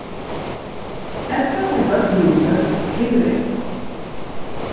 ella tá ið børnini eru løgd og friður er